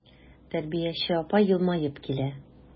Тәрбияче апа елмаеп килә.